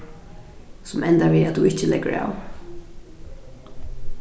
sum endar við at tú ikki leggur av